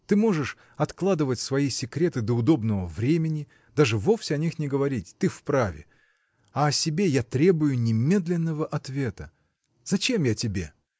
Ты можешь откладывать свои секреты до удобного времени, даже вовсе о них не говорить: ты вправе, а о себе я требую немедленно ответа. Зачем я тебе?